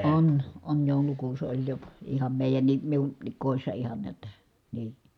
on on joulukuusi oli jo ihan meidänkin minunkin kodissa ihan näet että niin